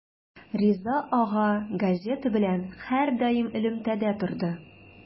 Риза ага газета белән һәрдаим элемтәдә торды.